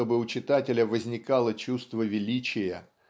чтобы у читателя возникало чувство величия